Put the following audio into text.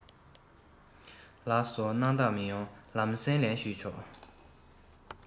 ལགས སོ སྣང དག མི ཡོང ལམ སེང ལན ཞུས ཆོག